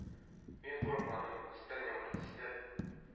Мин курыкмадым өстән яңгыр төсле